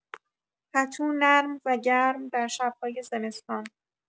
پتو نرم و گرم در شب‌های زمستان